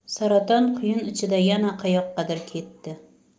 saraton quyuni ichida yana qayoqqadir ketdi